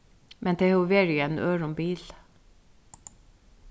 men tað hevur verið í einum øðrum bili